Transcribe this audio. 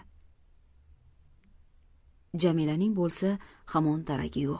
jamilaning bo'lsa hamon daragi yo'q